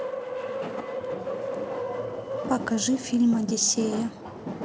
покажи фильм одиссея